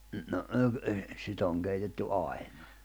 no -- sitä on keitetty aina